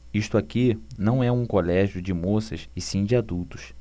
isto aqui não é um colégio de moças e sim de adultos